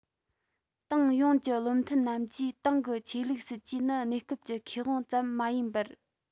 ཏང ཡོངས ཀྱི བློ མཐུན རྣམས ཀྱིས ཏང གི ཆོས ལུགས སྲིད ཇུས ནི གནས སྐབས ཀྱི ཁེ དབང ཙམ མ ཡིན པར